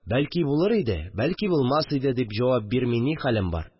«бәлки, булыр иде, бәлки, булмас иде», – дип җавап бирми ни хәлем бар